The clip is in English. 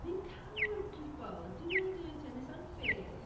These camera people, doing her dirty and it's unfair.